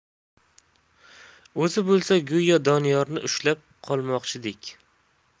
o'zi bo'lsa go'yo doniyorni ushlab qolmoqchidek